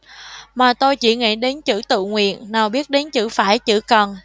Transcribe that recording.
mà tôi chỉ nghĩ đến chữ tự nguyện nào biết đến chữ phải chữ cần